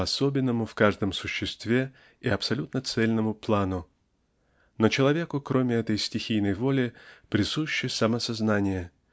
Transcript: по особенному в каждом существе и абсолютно цельному плану. Но человеку кроме этой стихийной воли присуще самосознание